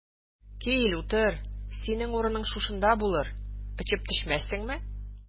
Кил, утыр, синең урының шушында булыр, очып төшмәссеңме?